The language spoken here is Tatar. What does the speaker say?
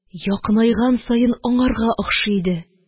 Якынайган саен аңарга охшый иде.